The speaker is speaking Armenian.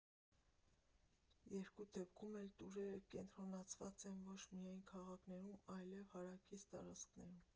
Երկու դեպքում էլ տուրերը կենտրոնացված են ոչ միայն քաղաքներում, այլև հարակից տարածքներում։